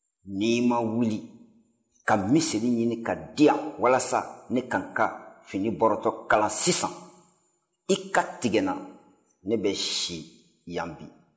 ni i ma wuli ka misɛli ɲini ka di yan walasa ne ka n ka fini bɔrɔtɔkala sisan i ka tigɛ n na ne bɛ si yan bi